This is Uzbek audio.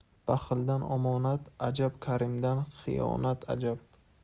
baxildan omonat ajab karimdan xiyonat ajab